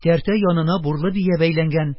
Тәртә янына бурлы бия бәйләнгән,